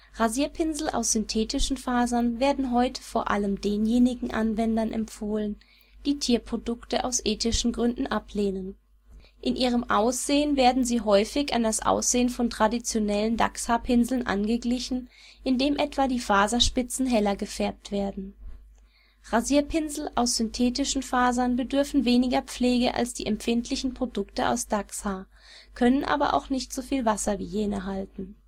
Rasierpinsel aus synthetischen Fasern werden heute vor allem denjenigen Anwendern empfohlen, die Tierprodukte aus ethischen Gründen ablehnen. In ihrem Aussehen werden sie häufig an das Aussehen von traditionellen Dachshaarpinseln angeglichen, indem etwa die Faserspitzen heller gefärbt werden. Rasierpinsel aus synthetischen Fasern bedürfen weniger Pflege als die empfindlichen Produkte aus Dachshaar, können aber auch nicht so viel Wasser wie jene halten